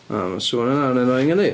Wel ma'r sŵn yna'n annoying yndi?